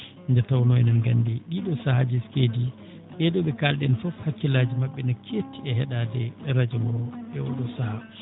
nde tawnoo enen nganndi ɗiiɗooo sahaaji so keedi ɓee ɗoo ɓe kaalɗen fof hakkillaaji maɓɓe ene keettii e heɗaade radio ngo e oo ɗoo sahaa